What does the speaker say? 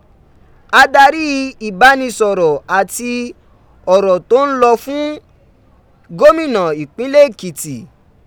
Adarí ìbánisọ̀rọ̀ àti ọ̀rọ̀ tó n lọ fún gómìnà ipínlẹ̀ Èkìtì.